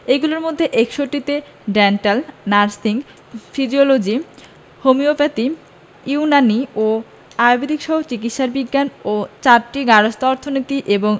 এগুলোর মধ্যে ৬১টিতে dental nursing physiology homeopathy Unani ও আর্য়ুবেদিকসহ চিকিৎসা বিজ্ঞান ৪টি গার্হস্থ্য অর্থনীতি এবং